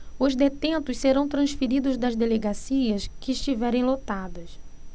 os detentos serão transferidos das delegacias que estiverem lotadas